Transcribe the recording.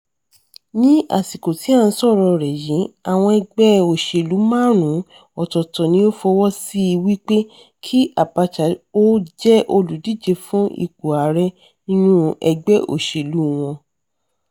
Ní àsìkò tí à ń sọ̀rọ̀ọ rẹ̀ yìí, àwọn ẹgbẹ́ òṣèlú márùn-ún ọ̀tọ̀ọ̀tọ̀ ni ó fọwọ́ síi wípé kí Abacha ó jẹ́ olùdíje fún ipò Ààrẹ nínú ẹgbẹ́ òṣèlúu wọn.